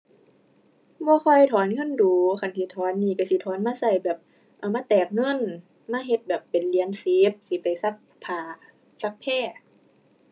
บ่ค่อยถอนเงินดู๋ คันสิถอนนี่ก็สิถอนมาก็แบบเอามาแตกเงิน มาเฮ็ดแบบเป็นเหรียญสิบ สิไปซักผ้าซักแพร